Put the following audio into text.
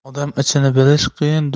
odam ichini bilish qiyin